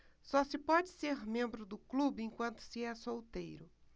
só se pode ser membro do clube enquanto se é solteiro